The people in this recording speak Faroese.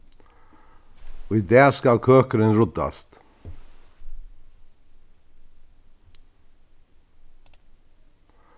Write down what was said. í dag skal køkurin ruddast